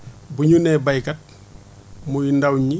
bu ñu nee béykat muñ ndaw ñi